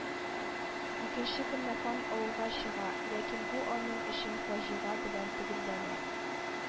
Икенче көнне хан ауга чыга, ләкин бу аның өчен фаҗига белән төгәлләнә